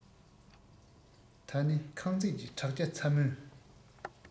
ད ནི ཁང བརྩེགས ཀྱི བྲག ཅ ཚ མོས